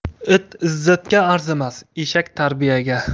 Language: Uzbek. it izzatga arzimas eshak tarbiyaga